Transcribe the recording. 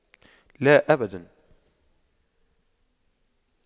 لا أبدا